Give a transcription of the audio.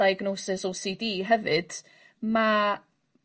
diagnosis ow si di hefyd ma'